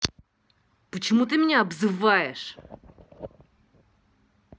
почему ты меня обзываешь